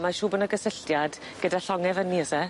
Mae siŵr bo' 'ny gysylltiad gyda llonge fyn 'ny o's e?